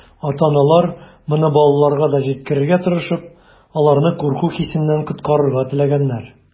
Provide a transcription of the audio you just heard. Ата-аналар, моны балаларга да җиткерергә тырышып, аларны курку хисеннән коткарырга теләгәннәр.